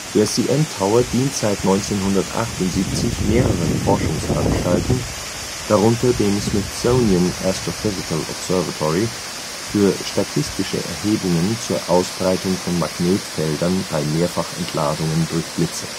Der CN Tower dient seit 1978 mehreren Forschungsanstalten, darunter dem Smithsonian Astrophysical Observatory, für statistische Erhebungen zur Ausbreitung von Magnetfeldern bei Mehrfachentladungen durch Blitze